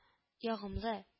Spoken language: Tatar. Ягымлы